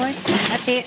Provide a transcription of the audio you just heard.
Reit. 'Na ti.